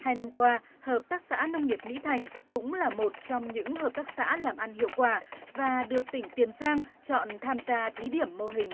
hai năm qua hợp tác xã nông nghiệp mỹ thành cũng là một trong những hợp tác xã làm ăn hiệu quả và được tỉnh tiền giang chọn tham gia thí điểm mô hình